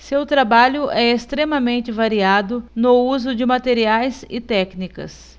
seu trabalho é extremamente variado no uso de materiais e técnicas